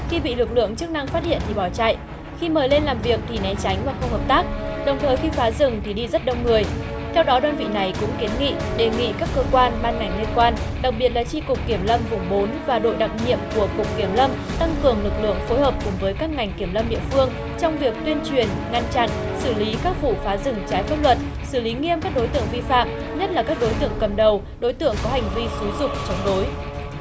khi bị lực lượng chức năng phát hiện thì bỏ chạy khi mời lên làm việc thì né tránh và không hợp tác đồng thời khi phá rừng thì đi rất đông người theo đó đơn vị này cũng kiến nghị đề nghị các cơ quan ban ngành liên quan đặc biệt là chi cục kiểm lâm vùng bốn và đội đặc nhiệm của cục kiểm lâm tăng cường lực lượng phối hợp cùng với các ngành kiểm lâm địa phương trong việc tuyên truyền ngăn chặn xử lý các vụ phá rừng trái pháp luật xử lý nghiêm các đối tượng vi phạm nhất là các đối tượng cầm đầu đối tượng có hành vi xúi giục chống đối